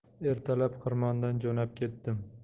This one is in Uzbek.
ertalab xirmondan jo'nab ketdim